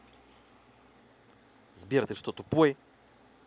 сбер ты что тупой